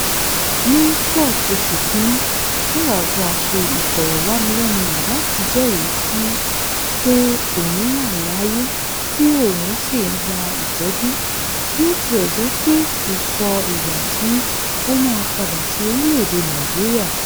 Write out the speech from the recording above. Ní 12 oṣù Kìíní, Yar'Adua ṣe ìfọ̀rọ̀wánilẹ́nuwò láti jẹ́rìí sí pé òun wà láyé tí òun sì ń gba Ìtọ́jú, bí ó tilẹ̀ jẹ́ pé kò sọ ìgbà tí ó maa padà sí orílẹ̀-èdè Nàìjíríà.